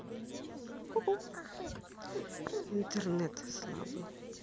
интернет слабый